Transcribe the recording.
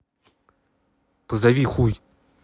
позови хуй